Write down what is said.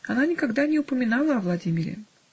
Она никогда не упоминала о Владимире.